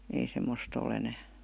ei semmoista ole enää